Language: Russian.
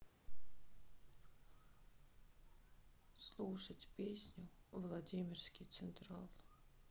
слушать песню владимирский централ